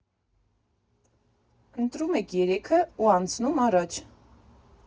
Ընտրում ենք երեքը ու անցնում առաջ։